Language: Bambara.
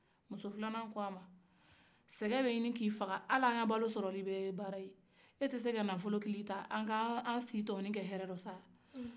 musoilana ko a ma sɛgɛn bɛ ɲini k'i faga hali an balo sɔrɔli bɛ ye baara ye e tɛ se ka nafɔlo kili ta an ka an sitɔni kɛ hɛrɛla sa wa